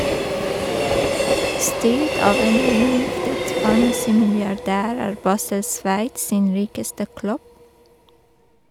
Styrt av en inngiftet farmasimilliardær er Basel Sveits sin rikeste klubb.